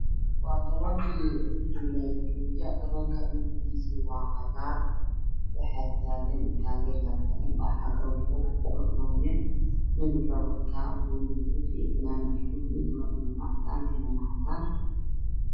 Waa garoon lagu dheelayay banooni ga waxaa ii muuqda wiil wata fanaanad buluug waxaa daawanaya dad